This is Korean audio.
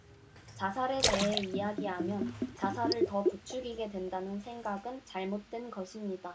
자살에 대해 이야기하면 자살을 더 부추기게 된다는 생각은 잘못된 것입니다